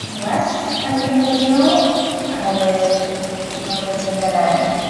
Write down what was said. Yn well yn gyffredinol oherwydd fel dwedes i'n gynne